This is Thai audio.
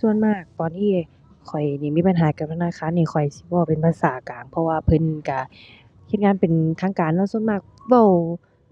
ส่วนมากตอนที่ข้อยนี้มีปัญหากับธนาคารนี่ข้อยสิเว้าเป็นภาษากลาง เพราะว่าเพิ่นก็เฮ็ดงานเป็นทางการเนาะ ส่วนมากเว้า